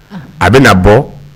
A be na bɔ